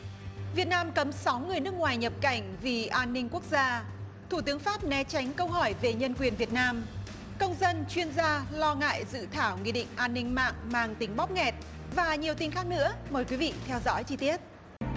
việt nam cấm sáu người nước ngoài nhập cảnh vì an ninh quốc gia thủ tướng pháp né tránh câu hỏi về nhân quyền việt nam công dân chuyên gia lo ngại dự thảo nghị định an ninh mạng mang tính bóp nghẹt và nhiều tin khác nữa mời quý vị theo dõi chi tiết